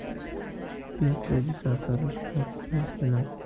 yo'q dedi sartarosh qatiyat bilan